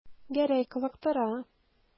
Гәрәй кызыктыра.